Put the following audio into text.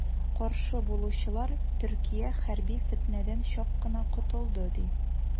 Каршы булучылар, Төркия хәрби фетнәдән чак кына котылды, ди.